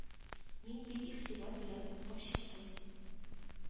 Мин бик игътибар белән укып чыктым